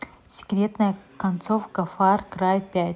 секретная концовка фар край пять